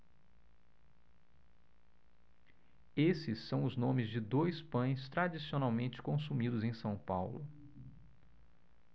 esses são os nomes de dois pães tradicionalmente consumidos em são paulo